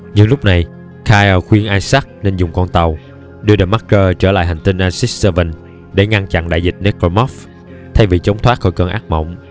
nhưng lúc này kyne khuyên isaac nên dùng con tàu đưa the marker trở lại hành tinh aegis vii để ngăn chặn đại dịch necromorph thay vì trốn thoát khỏi cơn ác mộng